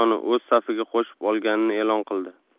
o'z safiga qo'shib olganini e'lon qildi